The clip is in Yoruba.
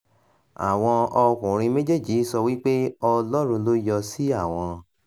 Àwọn ọkùnrin méjèèjì sọ wípé Ọlọ́run ló yọ sí àwọn